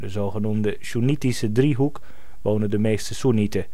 zogenoemde Soennitische driehoek, wonen de meeste soennieten